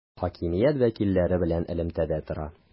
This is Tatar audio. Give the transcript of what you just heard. Хакимият вәкилләре белән элемтәдә тора.